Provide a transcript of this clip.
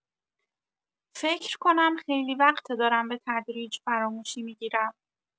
فکر کنم خیلی وقته دارم به‌تدریج فراموشی می‌گیرم.